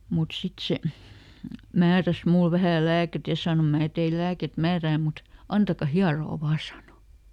mutta sitten se määräsi minulle vähän lääkettä ja sanoi minä teille lääkettä määrään mutta antakaa hieroa vain sanoi